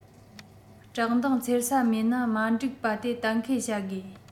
བཀྲག མདངས འཚེར ས མེད ན མ འགྲིག པ དེ གཏན འཁེལ བྱ དགོས